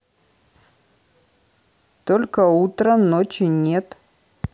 только утро ночи нет